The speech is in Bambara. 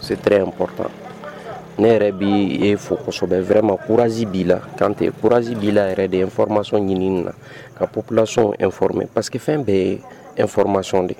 Setere n kɔrɔta ne yɛrɛ bɛ yesɔ kosɛbɛ wɛrɛ mauranzi b'i la'teuranz bi la yɛrɛ de ye n fɔrɔmasɔn ɲinin na ka plasɔn efme pa que fɛn bɛ efmasɔn de